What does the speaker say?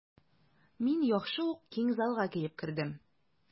Мин яхшы ук киң залга килеп кердем.